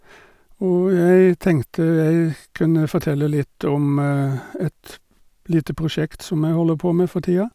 Og jeg tenkte jeg kunne fortelle litt om et lite prosjekt som jeg holder på med for tida.